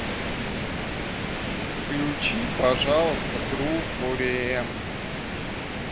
включи пожалуйста группу рем